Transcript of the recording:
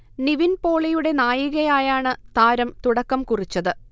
നിവിൻ പോളിയുടെ നായികയായാണ് താരം തുടക്കം കുറിച്ചത്